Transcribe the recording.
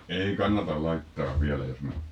ei kannata laittaa vielä jos me